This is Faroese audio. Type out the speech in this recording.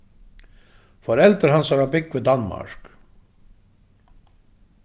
foreldur hansara búgva í danmark